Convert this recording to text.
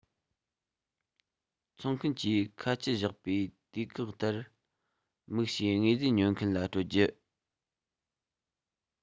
འཚོང མཁན གྱིས ཁ ཆད བཞག པའི དུས བཀག ལྟར དམིགས བྱའི དངོས རྫས ཉོ མཁན ལ སྤྲོད དགོས